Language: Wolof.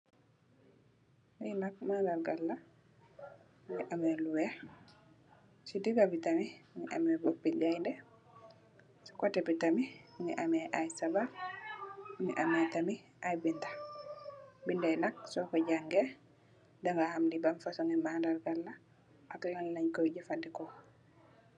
Li nak mandarga la mongi ame lu weex si diga bi tamit mo ame mbopi gainde si kote bi tamit mongi ame ay sabar mongi ame tamit ay binda binda nak soko jangeh daga xam li ban fosongi mandarga la ak lan len koi jefendeko.